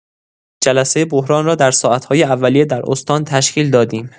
جلسه بحران را در ساعت‌های اولیه در استان تشکیل دادیم.